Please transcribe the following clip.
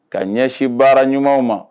Ka ɲɛsi baara ɲumanw ma